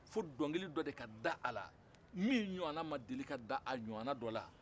fo dɔnkili dɔ de ka da a la min ɲɔgɔn na ma da a ɲɔgɔn na dɔ la